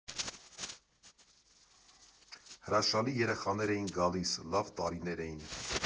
Հրաշալի երեխաներ էին գալիս, լավ տարիներ էին։